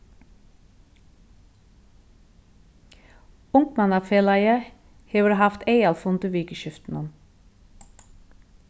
ungmannafelagið hevur havt aðalfund í vikuskiftinum